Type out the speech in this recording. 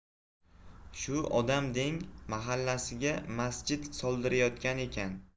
shu odam deng mahallasida masjid soldirayotgan ekan